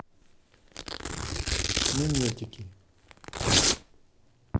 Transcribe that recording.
минетики